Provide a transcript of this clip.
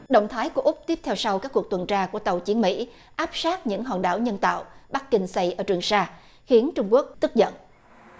động thái của úc tiếp theo sau các cuộc tuần tra của tàu chiến mỹ áp sát những hòn đảo nhân tạo bắc kinh xây ở trường sa khiến trung quốc tức giận